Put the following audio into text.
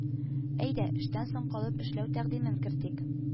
Әйдә, эштән соң калып эшләү тәкъдимен кертик